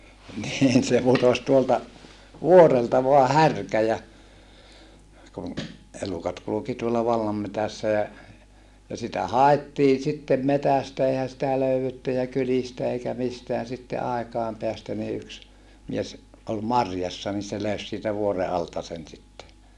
niin se putosi tuolta vuorelta vain härkä ja kun elukat kulki tuolla vallanmetsässä ja ja sitä haettiin sitten metsästä eihän sitä löydetty ja kylistä eikä mistään sitten aikojen päästä niin yksi mies oli marjassa niin se löysi siitä vuoren alta sen sitten